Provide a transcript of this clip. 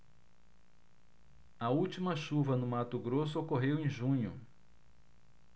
a última chuva no mato grosso ocorreu em junho